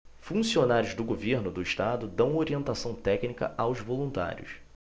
funcionários do governo do estado dão orientação técnica aos voluntários